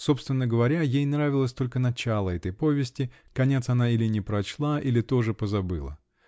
собственно говоря, ей нравилось только начало этой повести: конец она или не прочла, или тоже позабыла.